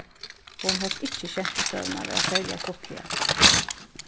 hon helt ikki skemtisøguna vera serliga stuttliga